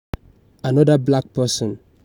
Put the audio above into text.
Another black person?!